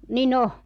niin on